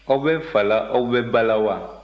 aw bɛ fa la aw bɛ ba la wa